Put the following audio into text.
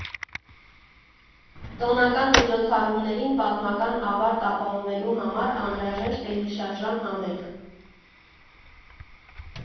Տոնական միջոցառումներին պատմական ավարտ ապահովելու համար անհրաժեշտ է հիշարժան համերգ։